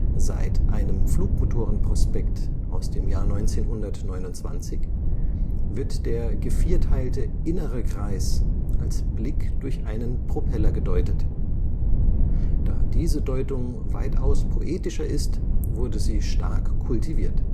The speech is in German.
Seit einem Flugmotorenprospekt aus dem Jahr 1929 wird der gevierteilte innere Kreis als Blick durch einen Propeller gedeutet. Da diese Deutung weitaus poetischer ist, wurde sie stark kultiviert